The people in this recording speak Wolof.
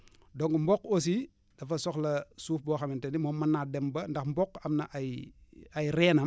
donc mboq aussi dafa soxla suuf boo xamante ni moom mën naa dem ba ndax mboq am na ay ay reenam